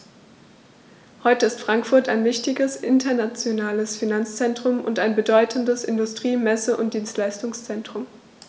Heute ist Frankfurt ein wichtiges, internationales Finanzzentrum und ein bedeutendes Industrie-, Messe- und Dienstleistungszentrum.